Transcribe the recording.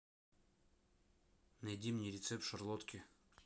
найди мне рецепт шарлотки